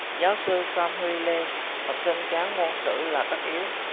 giáo sư phan huy lê học sinh chán môn sử là tất yếu